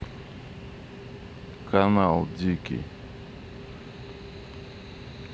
канал дикий